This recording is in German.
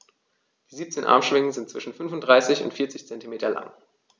Die 17 Armschwingen sind zwischen 35 und 40 cm lang.